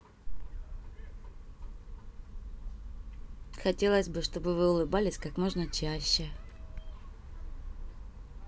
хотелось бы чтобы вы улыбались как можно чаще